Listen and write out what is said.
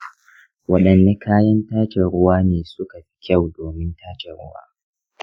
waɗanne kayan tace ruwa ne suka fi kyau domin tace ruwa?